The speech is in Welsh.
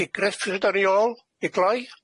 Digre ffydd yn ôl i gloi?